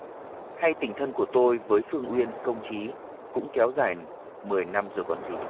hay tình thân của tôi với phương uyên công trí cũng kéo dài mười năm rồi còn gì